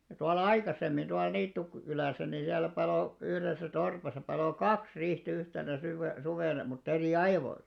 ja tuolla aikaisemmin tuolla - Niittykylässä niin siellä paloi yhdessä torpassa paloi kaksi riihtä yhtenä - suvena mutta eri ajoilla